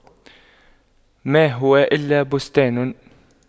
ما هو إلا بستان